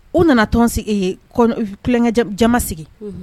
U nana tɔn sigikɛ jama sigi